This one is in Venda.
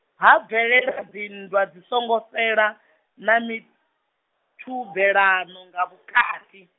ha bveledza dzinndwa dzi songo fhela , na mithubelano nga vhukati.